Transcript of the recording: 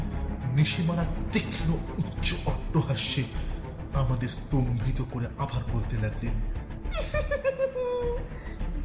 Nishimura তীক্ষ্ণ উচ্চ অট্টহাস্যে আমাদের স্তম্ভিত করে আবার বলতে লাগলেন